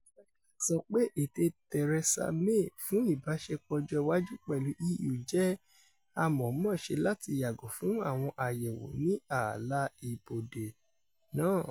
Mr Clark sọ pé ète Theresa May fún ìbáṣepọ̀ ọjọ́ iwájú pẹ̀lú EU jẹ́ “àmọ̀ǹmọ̀ṣe láti yàgò fún àwọn àyẹ́wò ní ààlà ìbodè náà.”